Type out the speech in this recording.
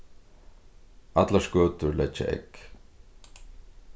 allar skøtur leggja egg